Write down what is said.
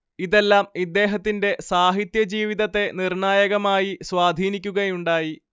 ഇതെല്ലാം ഇദ്ദേഹത്തിന്റെ സാഹിത്യജീവിതത്തെ നിർണായകമായി സ്വാധീനിക്കുകയുണ്ടായി